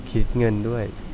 คิดเงินด้วย